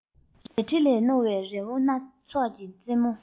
རལ གྲི ལས རྣོ བའི རི བོའི ཚོགས ཀྱི རྩེ མོ